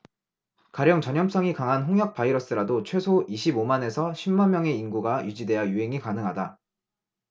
가령 전염성이 강한 홍역 바이러스라도 최소 이십 오 만 에서 쉰 만명의 인구가 유지돼야 유행이 가능하다